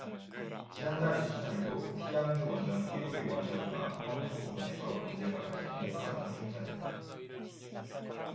지난달 이십 삼 일도 티앙주 원전 일 호기 원자로가 펌프 부분에서 문제가 발생해 가동을 중단했다